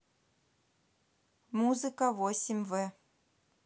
музыка восемь в